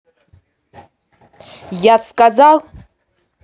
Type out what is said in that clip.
я сказал